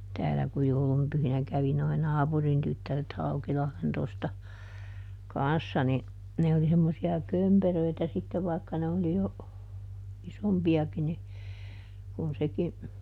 täällä kun joulun pyhinä kävi nuo naapurin tyttäret Haukilahden tuosta kanssa niin ne oli semmoisia kömperöitä sitten vaikka ne oli jo isompiakin niin kuin sekin